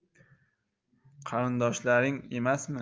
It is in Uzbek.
qarindoshlaring emasmi